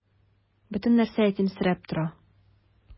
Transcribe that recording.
Бөтен нәрсә ятимсерәп тора.